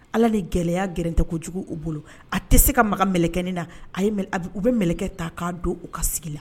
Ala ni gɛlɛyaya g tɛ kojugu u bolo a tɛ se ka makan kɛlɛkɛni na a u bɛ ta k'a don u ka sigi la